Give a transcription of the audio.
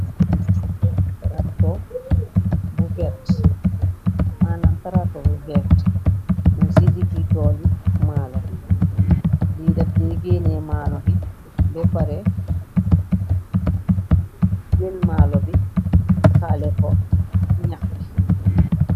Trato bu vert manam trato bu vert, mung ci diggi torli maala. Li daf dégéenee malo bi beppare jël maalo bi haalè ko ak ñah bi.